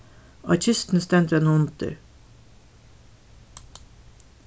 á kistuni stendur ein hundur